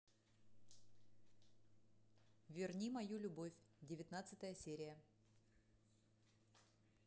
верни мою любовь девятнадцатая серия